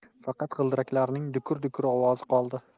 faqat g'ildiraklarning dukur dukur ovozi qoldi